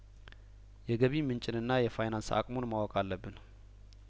የገቢ ምንጭንና የፋይናንስ አቅሙን ማወቅ አለብን